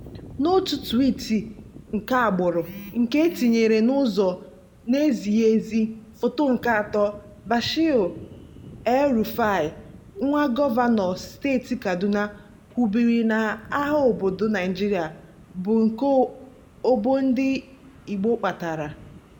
N'otu twiiti keagbụrụ nke e tinyere n'ụzọ na-ezighị ezi (Foto nke 3), Bashir El-Rufai, nwa Gọvanọ Steeti Kaduna, kwubiri na agha obodo Naịjirịa bụ nke ọbọ ndị Igbo kpatara.